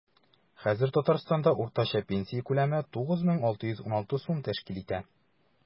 Хәзер Татарстанда уртача пенсия күләме 9616 сум тәшкил итә.